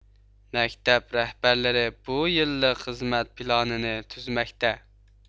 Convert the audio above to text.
مەكتەپ رەھبەرلىرى بۇ يىللىق خىزمەت پىلانىنى تۈزەتمەكتە